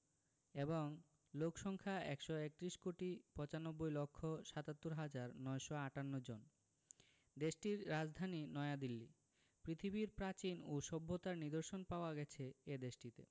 এবং লোক সংখ্যা ১৩১ কোটি ৯৫ লক্ষ ৭৭ হাজার ৯৫৮ জনদেশটির রাজধানী নয়াদিল্লী পৃথিবীর প্রাচীন ও সভ্যতার নিদর্শন পাওয়া গেছে এ দেশটিতে